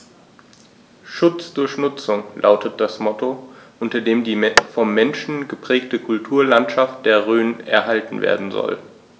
„Schutz durch Nutzung“ lautet das Motto, unter dem die vom Menschen geprägte Kulturlandschaft der Rhön erhalten werden soll.